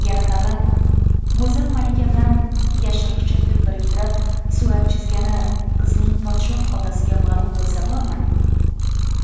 yana tag'in go'zal malika bilan yashiriqcha til biriktirib surat chizgani qiz ning podshoh otasiga ma'lum bo'lsa bormi